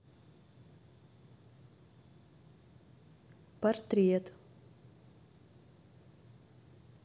портрет